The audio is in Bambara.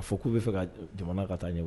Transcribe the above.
A fɔ k'u bɛ fɛ ka jamana ka taa ye